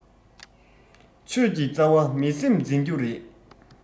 ཆོས ཀྱི རྩ བ མི སེམས འཛིན རྒྱུ རེད